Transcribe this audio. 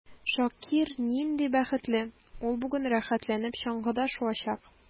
Шакир нинди бәхетле: ул бүген рәхәтләнеп чаңгыда шуачак.